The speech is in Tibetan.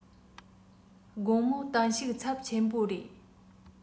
དགོང མོ བསྟན བཤུག ཚབས ཆེན མོ རེ